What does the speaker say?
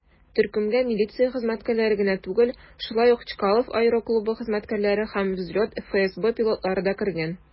Төркемгә милиция хезмәткәрләре генә түгел, шулай ук Чкалов аэроклубы хезмәткәрләре һәм "Взлет" ФСБ пилотлары да кергән.